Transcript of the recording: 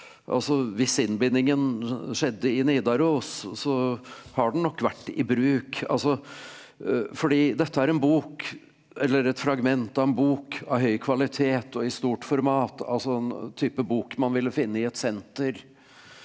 altså hvis innbindingen skjedde i Nidaros så har den nok vært i bruk altså fordi dette er en bok eller et fragment av en bok av høy kvalitet og i stort format altså en type bok man ville finne i et senter.